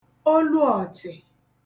oluọ̀chị̀